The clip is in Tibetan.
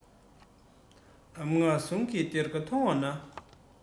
ལམ སྔགས ཟུང གི གཏེར ཁ མཐོང བ ན